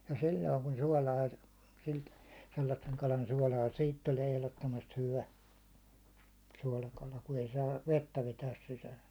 ja silloin kun suolaa - sellaisen kalan suolaa siitä tulee ehdottomasti hyvä suolakala kun ei saa vettä vetää sisäänsä